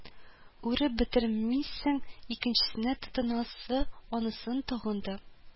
Үреп бетермисең, икенчесенә тотынасы, анысын тагын да